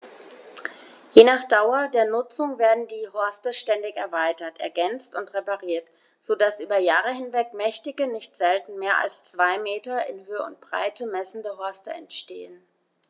Je nach Dauer der Nutzung werden die Horste ständig erweitert, ergänzt und repariert, so dass über Jahre hinweg mächtige, nicht selten mehr als zwei Meter in Höhe und Breite messende Horste entstehen.